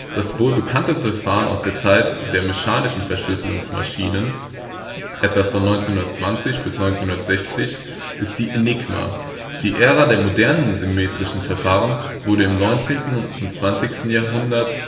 Das wohl bekannteste Verfahren aus der Zeit der mechanischen Verschlüsselungsmaschinen (etwa von 1920 bis 1960) ist die Enigma. Die Ära der modernen symmetrischen Verfahren wurde im 19. und 20. Jahrhundert